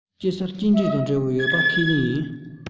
དཔྱིད གསར སྐྱེལ འདྲེན དང འབྲེལ བ ཡོད པ ཁས ལེན ཡིན